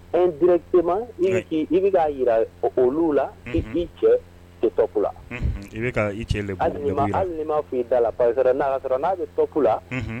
Indirectement i be ka yira olu la i cɛ tɛ top la . I be i cɛ lebu. Hali ni ma fɔ i da la . Ka sɔrɔ na bi top la